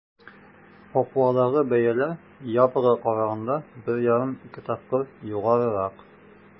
Папуадагы бәяләр Явага караганда 1,5-2 тапкыр югарырак.